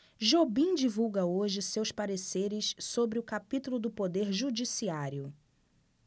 jobim divulga hoje seus pareceres sobre o capítulo do poder judiciário